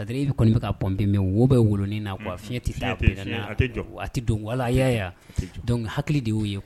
Bɛ kɔni bɛ ka pbɛnbɛn wo bɛ woloin na' a fiɲɛ tɛ na a tɛ don wala y'a yan dɔnku hakili de y'o ye